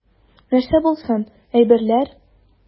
Нәрсә булсын, әйберләр.